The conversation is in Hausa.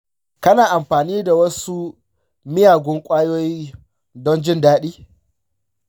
kana amfani da wasu miyagun kwayoyi don jin dadi?